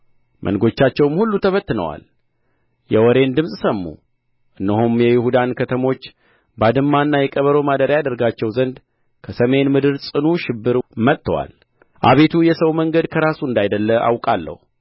መንጎቻቸውም ሁሉ ተበትነዋል የወሬን ድምፅ ስሙ እነሆም የይሁዳን ከተሞች ባድማና የቀበሮ ማደሪያ ያደርጋቸው ዘንድ ከሰሜን ምድር ጽኑ ሽብር መጥቶአል አቤቱ የሰው መንገድ ከራሱ እንዳይደለ አውቃለሁ